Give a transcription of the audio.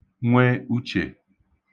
nwe uchè